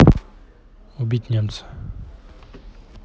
убить немца